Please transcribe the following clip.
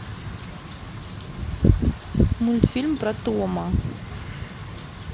мультфильм про тома